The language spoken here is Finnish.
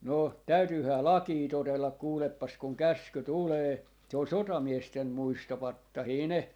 no täytyyhän lakia totella kuulepas kun käsky tulee se on sotamiesten muistopatsaita ne